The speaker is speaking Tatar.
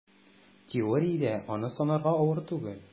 Теориядә аны санарга авыр түгел: